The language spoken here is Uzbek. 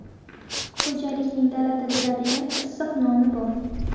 xo'jalikning dalada beradigan issiq noni bor